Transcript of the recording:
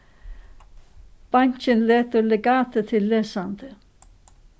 bankin letur legatið til lesandi